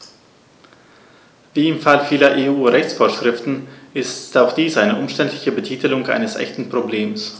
Wie im Fall vieler EU-Rechtsvorschriften ist auch dies eine umständliche Betitelung eines echten Problems.